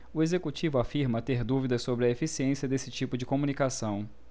o executivo afirma ter dúvidas sobre a eficiência desse tipo de comunicação